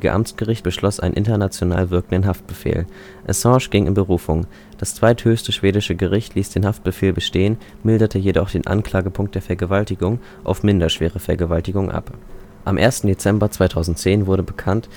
Amtsgericht beschloss einen international wirkenden Haftbefehl. Assange ging in Berufung. Das zweithöchste schwedische Gericht ließ den Haftbefehl bestehen, milderte jedoch den Anklagepunkt der Vergewaltigung auf „ minder schwere Vergewaltigung “ab. Am 1. Dezember 2010 wurde bekannt